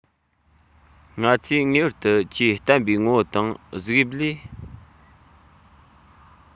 ང ཚོས ངེས པར དུ ཆེས བརྟན པའི ངོ བོ དང གཟུགས དབྱིབས ལས